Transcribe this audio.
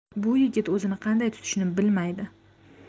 bu yigit o'zini qanday tutishni bilmaydi